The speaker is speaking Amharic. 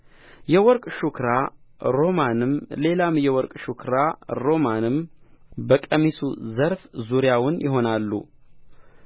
የወርቅ ሻኵራ ሮማንም ሌላም የወርቅ ሻኵራ ሮማንም በቀሚሱ ዘርፍ ዙሪያውን ይሆናሉ